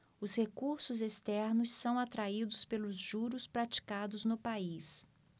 os recursos externos são atraídos pelos juros praticados no país